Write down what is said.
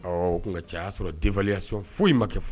Ɔ nka caya y'a sɔrɔ denbaliya sɔrɔ foyi in ma kɛ fɔ